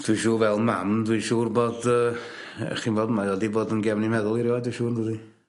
dwi'n siŵr fel mam dwi'n siŵr bod yy yy chi'n 'bod mae o 'di bod yn gefn 'i meddwl 'i riod dwi'n siŵr yndydi?